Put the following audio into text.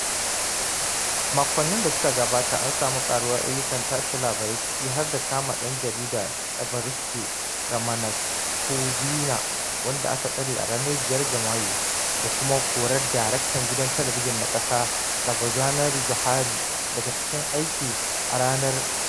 Makonnin da suka gabata an samu ƙaruwar ayyukan tace labarai, ciki har da kama ɗan jarida Evariste Ramanatsoavina, wanda aka tsare a ranar 5 ga Mayu, da kuma korar daraktan gidan Talabijin na Ƙasa Ravoajanahary Johary, daga aiki a ranar 19 ga Mayu.